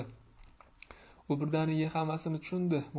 u birdaniga hammasini tushundi